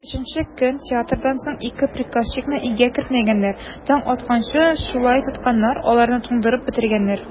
Өченче көн театрдан соң ике приказчикны өйгә кертмәгәннәр, таң атканчы шулай тотканнар, аларны туңдырып бетергәннәр.